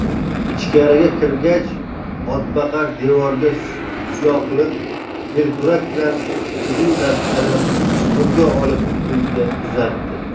ichkariga kirgach otboqar devorga suyog'liq belkurak bilan uzun dastali supurgini olib unga uzatdi